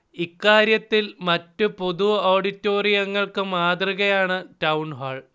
ഇക്കാര്യത്തിൽ മറ്റു പൊതു ഓഡിറ്റോറിയങ്ങൾക്ക് മാതൃകയാണ് ടൗൺഹാൾ